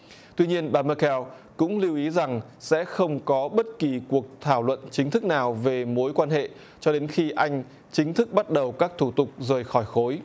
tuy nhiên bà mơ keo cũng lưu ý rằng sẽ không có bất kỳ cuộc thảo luận chính thức nào về mối quan hệ cho đến khi anh chính thức bắt đầu các thủ tục rời khỏi khối